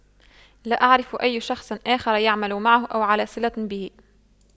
لا اعرف اي شخص آخر يعمل معه أو على صلة به